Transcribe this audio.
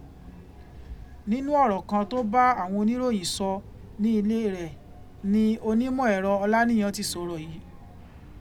Nínú ọ̀rọ̀ kan tó bá àwọn oníròyìn sọ ní ilé rẹ̀ ni Onímọ̀ẹ̀rọ̀ Ọláníyan ti sọ̀rọ̀ yìí.